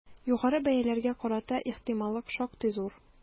Югары бәяләргә карата ихтималлык шактый зур.